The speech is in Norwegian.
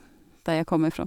Der jeg kommer ifra.